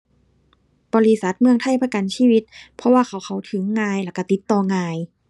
บริษัทเมืองไทยประกันชีวิต เพราะว่าเขาเข้าถึงง่ายแล้วก็ติดต่อง่าย